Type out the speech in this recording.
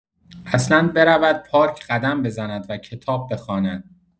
اصلا برود پارک قدم بزند و کتاب بخواند.